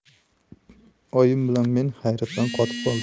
oyim bilan men hayratdan qotib qoldik